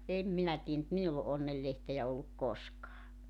en minä tiedä mutta minulla ole onnenlehteä ollut koskaan